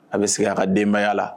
A bɛ segin a ka denbaya la